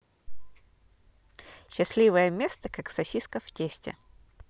счастливое место как сосиска в тесте